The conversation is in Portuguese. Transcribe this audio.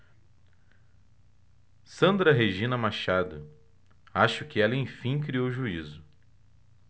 sandra regina machado acho que ela enfim criou juízo